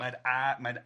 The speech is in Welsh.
mae'r a- mae'r a-